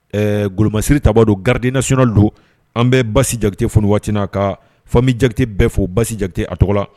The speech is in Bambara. Ɛɛ goloolomasi tabaaba don garirdinasona don an bɛ basi jakite f waati ka fɔmi jakite bɛɛ fo basi jakite a tɔgɔ la